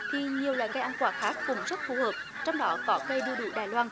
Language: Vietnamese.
thì nhiều loài cây ăn quả khác cũng rất phù hợp trong đó có cây đu đủ đài loan